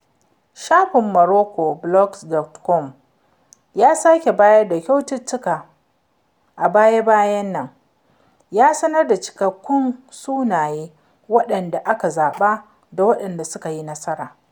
Shafin MoroccoBlogs.com da yake bayar da kyaututtuka, a baya-bayan nan ya sanar da cikakkun sunayen waɗanda aka zaɓa da waɗanda suka yi nasara.